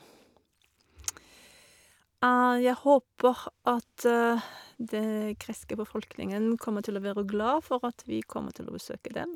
Jeg håper at det greske befolkningen kommer til å være glad for at vi kommer til å besøke dem.